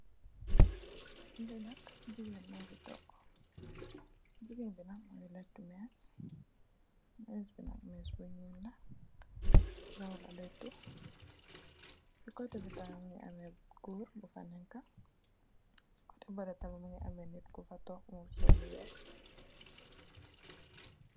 Lii nak jigeen mufi toog, jigeen bi nak mingi leetu mees si boppam bi, mees bi nak mees bu nyuul la, raw la leetu, si kote bi tamin mingi amme goor bu fa nekka, si kote balee tam mingi am nit ku fa toog, mu sol lu weex.